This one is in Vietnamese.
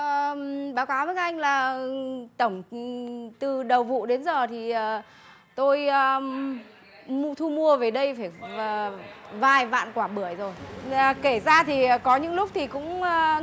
ờm báo cáo anh là ờm tổng từ từ đầu vụ đến giờ thì tôi thu mua về đây phải vài vạn quả bưởi rồi kể ra thì có những lúc thì cũng